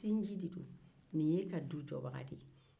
nin y'e ka du jɔbaga de ye